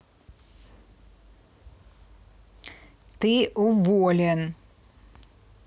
ты уволен